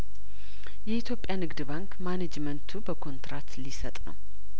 የኢትዮጵያ ንግድ ባንክ ማኔጅመንቱ በኮንትራት ሊሰጥ ነው